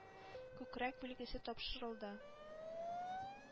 Күкрәк билгесе тапшырылды.